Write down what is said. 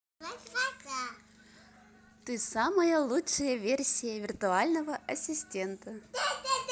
ты самая лучшая версия виртуального ассистента